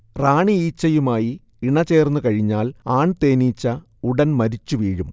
റാണി ഈച്ചയുമായി ഇണചേർന്നുകഴിഞ്ഞാൽ ആൺ തേനീച്ച ഉടൻ മരിച്ചുവീഴും